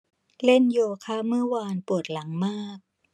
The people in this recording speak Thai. เล่นโยคะเมื่อวานปวดหลังมาก